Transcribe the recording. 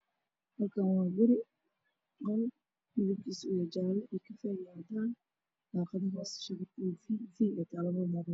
Meeshan waxaa ka muuqday guri guriga brandeys iyo banaankiisa waa caddaan gudihiisana waa qaxo